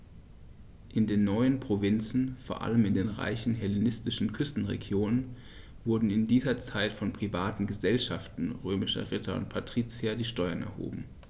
In den neuen Provinzen, vor allem in den reichen hellenistischen Küstenregionen, wurden in dieser Zeit von privaten „Gesellschaften“ römischer Ritter und Patrizier die Steuern erhoben.